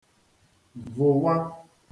vụ̀wa